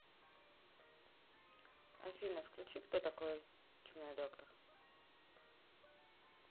афина включи кто такой чумной доктор